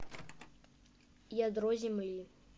ядро земли